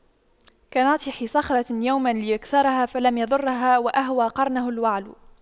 كناطح صخرة يوما ليكسرها فلم يضرها وأوهى قرنه الوعل